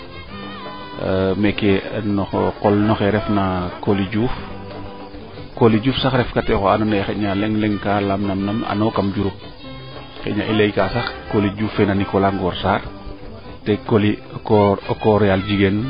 meeke no qol noxe refna Coly Diouf Coly Diouf sax xaƴa refka te nox ando naye leŋ leŋ ka lamnan ano kam Diouroup xana i leyka sax Coly Diouf na Nicolas Ngor Sarr te Coly o koor yaal jigeen